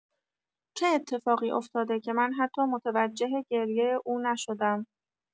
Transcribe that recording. چه اتفاقی افتاده که من حتی متوجه گریه او نشدم؟